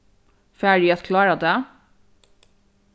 fari eg at klára tað